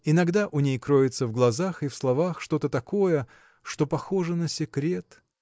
Иногда у ней кроется в глазах и в словах что-то такое что похоже на секрет.